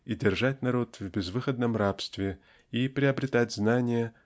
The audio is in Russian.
и держать народ в безысходном рабстве и приобретать знания